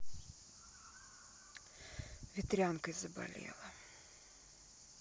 ветрянкой заболела